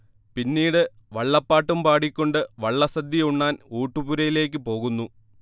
പിന്നീട് വള്ളപ്പാട്ടും പാടി ക്കൊണ്ട് വള്ളസദ്യ ഉണ്ണാൻ ഊട്ടുപുരയിലേയ്ക്ക് പോകുന്നു